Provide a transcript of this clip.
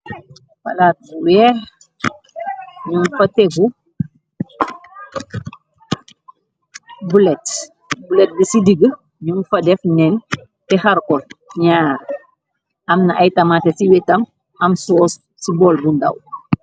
Palaat bu weex nyun fa tegu boleet boleet bi ci diga ñyun fa def neen te xarkol ñaar amna ay tamaté ci wétam am soos ci bowl bu ndaw.